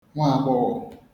nwa agbọghọ